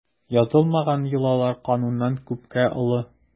Язылмаган йолалар кануннан күпкә олы.